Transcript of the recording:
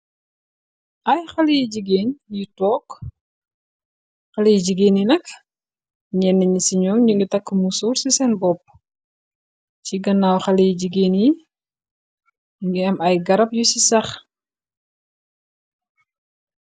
ay xale yi jigéen yi took xale yi jigéen yi nak ñeenn ñ si ñoo nëngi takk mu soor ci seen bopp ci ganaaw xaley jigeen yi ngi am ay garab yu ci sax